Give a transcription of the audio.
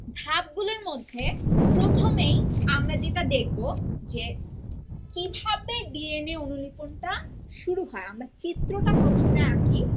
ধাপ গুলোর মধ্যে প্রথমেই আমরা যেটা দেখব যে কিভাবে ডি এন এ অনুলিপন টা শুরু হয় আমরা চিত্রটা প্রথমে আকি